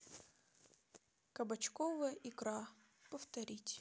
кабачковая икра повторить